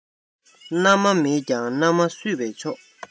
མནའ མ མེད ཀྱང མནའ མ བསུས པས ཆོག